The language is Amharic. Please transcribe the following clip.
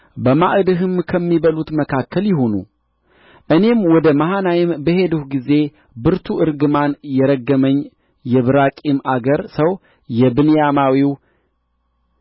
በማዕድህም ከሚበሉት መካከል ይሁኑ እኔም ወደ መሃናይም በሄድሁ ጊዜ ብርቱ እርግማን የረገመኝ የብራቂም አገር ሰው የብንያማዊው